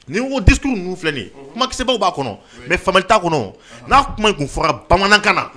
Nin ko ditu ninnu filɛ ye kumakisɛ b'a kɔnɔ mɛ faamuya ta kɔnɔ n'a tun tun faga bamanankan na